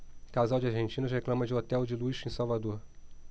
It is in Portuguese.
casal de argentinos reclama de hotel de luxo em salvador